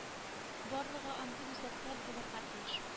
Барлыгы андый үзәкләр - булырга тиеш